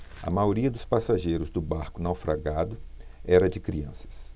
a maioria dos passageiros do barco naufragado era de crianças